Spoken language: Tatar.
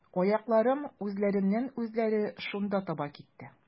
Аякларым үзләреннән-үзләре шунда таба китте.